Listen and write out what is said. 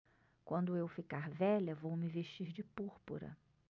quando eu ficar velha vou me vestir de púrpura